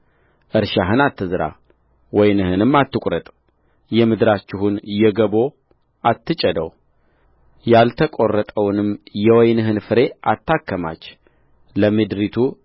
እርሻህን አትዝራ ወይንህንም አትቍረጥየምድራችሁን የገቦ አትጨደው ያልተቈረጠውንም የወይንህን ፍሬ አታከማች ለምድሪቱ